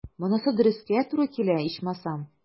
Монысы дөрескә туры килә, ичмасам.